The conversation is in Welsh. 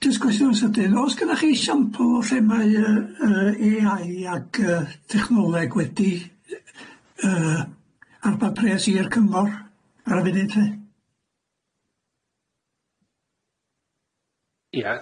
Jyst cwestiwn dydyn os gynnoch chi esiampl o lle mae yy yy Ay Eye ag yy technoleg wedi yy yy arbad pres i'r cyngor ar y funud lly?